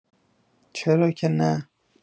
چرا که نه.